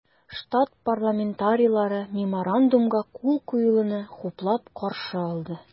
Штат парламентарийлары Меморандумга кул куелуны хуплап каршы алды.